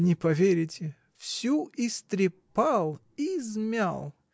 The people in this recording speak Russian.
Не поверите, всю истрепал, измял!